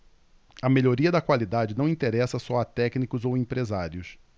a melhoria da qualidade não interessa só a técnicos ou empresários